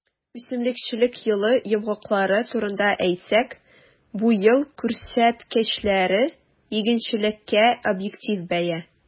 Үсемлекчелек елы йомгаклары турында әйтсәк, бу ел күрсәткечләре - игенчелеккә объектив бәя.